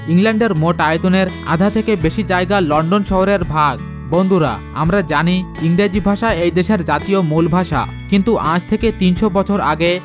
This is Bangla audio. ইংল্যান্ডের মোট আয়তনের আধা থেকে বেশি জায়গা লন্ডন শহরের ভাগ বন্ধুরা আমরা জানি ইংরেজি ভাষা এ দেশের জাতীয় মূল ভাষা কিন্তু আজ থেকে ৩০০ বছর আগে